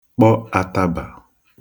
kpọ atabà